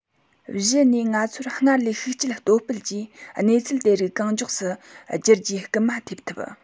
གཞི ནས ང ཚོར སྔར ལས ཤུགས བསྐྱེད སྟོབས སྤེལ གྱིས གནས ཚུལ དེ རིགས གང མགྱོགས སུ བསྒྱུར རྒྱུའི བསྐུལ མ ཐེབས ཐུབ